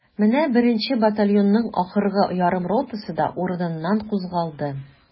Менә беренче батальонның ахыргы ярым ротасы да урыныннан кузгалды.